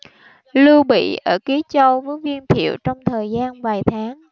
lưu bị ở ký châu với viên thiệu trong thời gian vài tháng